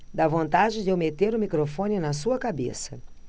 dá vontade de eu meter o microfone na sua cabeça